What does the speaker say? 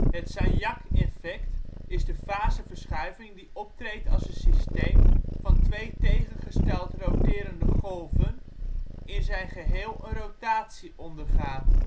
Het Sagnac-effect is de faseverschuiving die optreedt als een systeem van twee tegengesteld roterende golven in zijn geheel een rotatie ondergaat